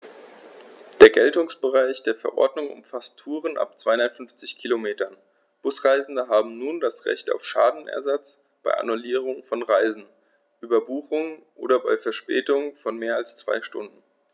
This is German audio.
Der Geltungsbereich der Verordnung umfasst Touren ab 250 Kilometern, Busreisende haben nun ein Recht auf Schadensersatz bei Annullierung von Reisen, Überbuchung oder bei Verspätung von mehr als zwei Stunden.